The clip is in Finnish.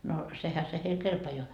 no sehän se heille kelpaa